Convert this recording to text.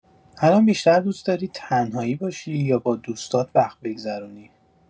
الان بیشتر دوست‌داری تنهایی باشی یا با دوستات وقت بگذرونی؟